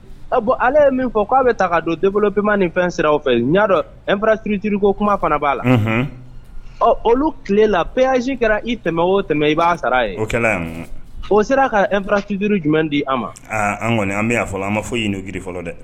Bon ale ye min fɔ k'a bɛ ta ka don den bolo peman ni fɛn sira fɛ n y'a dɔn efartiriurutiriuru ko kuma fana b'a la ɔ olu tilela pyaji kɛra i tɛmɛ o tɛmɛ i b'a sara a ye o kɛlen o sera ka efr sutiriuru jumɛn di an ma an kɔni an bɛ'a fɔ an ma fɔ i ye' jiri fɔlɔ dɛ